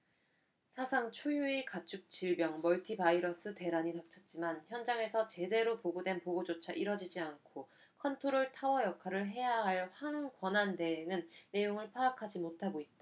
사상 초유의 가축 질병 멀티 바이러스 대란이 닥쳤지만 현장에선 제대로 된 보고조차 이뤄지지 않고 컨트롤타워 역할을 해야 할 황 권한대행은 내용을 파악하지 못하고 있다